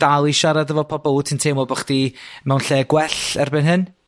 dal i siarad efo pobol? Wt ti'n teimlo bo' chdi mewn lle gwell erbyn hyn?